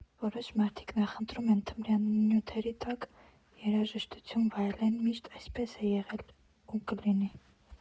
Որոշ մարդիկ նախընտրում են թմրանյութերի տակ երաժշտություն վայելել, միշտ այսպես է եղել ու կլինի։